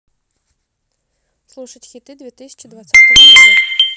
слушать хиты две тысячи двадцатого года